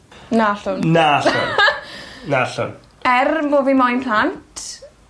Na allwn. Na allwn. Na allwn. Er bo' fi moyn plant